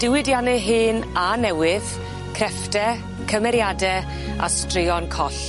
Diwydianne hen a newydd creffte, cymeriade a straeon coll.